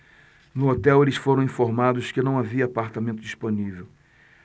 no hotel eles foram informados que não havia apartamento disponível